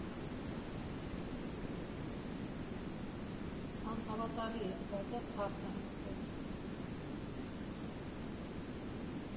Անհավատալի էր, բայց այս հարցն էլ լուծվեց։